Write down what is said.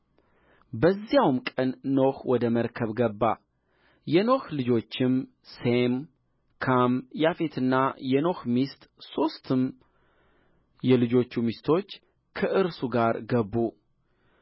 በዚያውም ቀን ኖኅ ወደ መርከብ ገባ የኖኅ ልጆችም ሴም ካም ያፌትና የኖኅ ሚስት ሦስቱም የልጆቹ ሚስቶች ከርሱ ጋር ገቡ